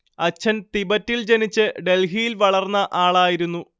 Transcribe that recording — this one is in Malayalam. അച്ഛൻ തിബറ്റിൽ ജനിച്ച് ഡൽഹിയിൽ വളർന്ന ആളായിരുന്നു